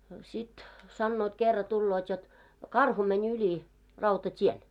no sitten sanovat kerran tulevat jotta karhu meni yli rautatien